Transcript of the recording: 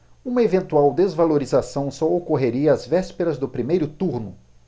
uma eventual desvalorização só ocorreria às vésperas do primeiro turno